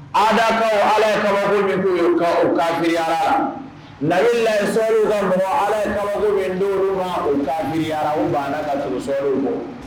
A dakaw ale ye kaba min u ka miiriyara nasow ka mɔgɔ ale ye kaba min duuru u ma u ka miiriyara u' ka sosow bɔ